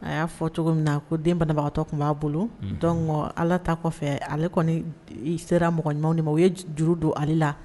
A y'a fɔ cogo min na ko den banabagatɔ tun b'a bolo ala ta kɔfɛ ale kɔni sera mɔgɔ ɲɔgɔn de ma o ye juru don ale la